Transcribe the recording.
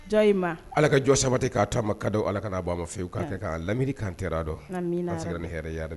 Ala ka jɔ sabati k'a taama kadau ala ka na dɔma fiyew ka kɛ k'anw lamini anw sigi ni hɛrɛ ye amina